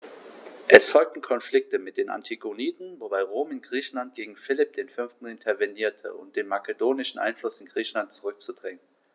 Es folgten Konflikte mit den Antigoniden, wobei Rom in Griechenland gegen Philipp V. intervenierte, um den makedonischen Einfluss in Griechenland zurückzudrängen.